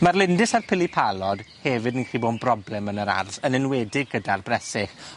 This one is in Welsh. Ma'r lindys a'r pili palod hefyd yn g'llu bo' 'n broblem yn yr ardd, yn enwedig gyda'r bresych.